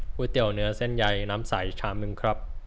ก๋วยเตี๋ยวเนื้อเส้นใหญ่น้ำใสชามนึงครับ